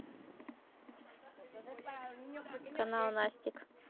канал настик